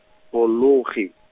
fologe.